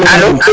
alo